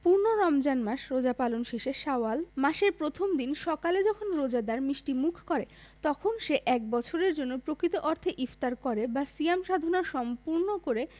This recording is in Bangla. পূর্ণ রমজান মাস রোজা পালন শেষে শাওয়াল মাসের প্রথম দিন সকালে যখন রোজাদার মিষ্টিমুখ করে তখন সে এক বছরের জন্য প্রকৃত অর্থে ইফতার করে বা সিয়াম সাধনা সম্পূর্ণ করে